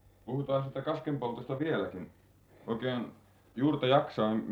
puhutaanpas siitä kasken poltosta vieläkin oikein juurta jaksain